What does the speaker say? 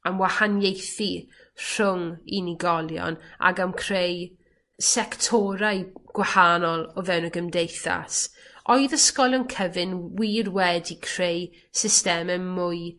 am wahaniaethu rhwng unigolion ag am creu sectorau gwahanol o fewn y gymdeithas oedd ysgolion cyfun wir wedi creu systeme mwy,